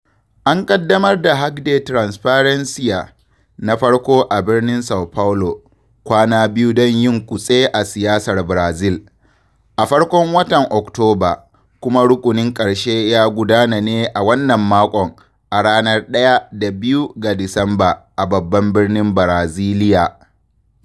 An ƙaddamar da Hackday Transparência [Transparency] na farko a birnin São Paulo, “kwana biyu don yin kutse a siyasar Barazil”, a farkon watan Oktoba, kuma rukunin ƙarshe ya gudana ne a wannan makon, a ranar 1 da 2 ga Disamba, a babban birnin Baraziliya.